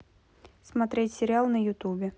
смотреть сериал на ютубе